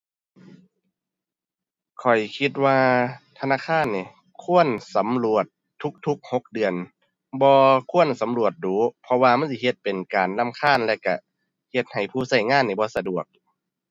ข้อยคิดว่าธนาคารนี่ควรสำรวจทุกทุกหกเดือน บ่ควรสำรวจดู๋ เพราะว่ามันสิเฮ็ดเป็นการรำคาญ แล้วก็เฮ็ดให้ผู้ก็งานนี้บ่สะดวก